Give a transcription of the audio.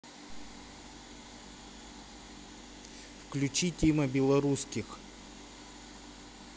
включи тима белорусских